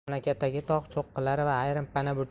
mamlakatdagi tog' cho'qqilari va ayrim pana